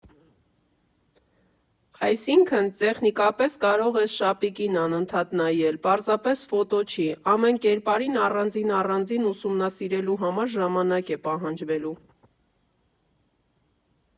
Այսինքն՝ տեխնիկապես կարող ես շապիկին անընդհատ նայել, պարզապես ֆոտո չի, ամեն կերպարին առանձին֊առանձին ուսումնասիրելու համար ժամանակ է պահանջվելու։